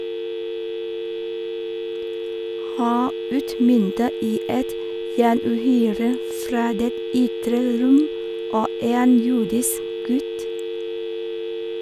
Her utmyntet i et jernuhyre fra det ytre rom og en jordisk gutt.